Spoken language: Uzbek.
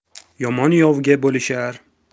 yomon yovga bo'lishar